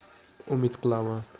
umid qilaman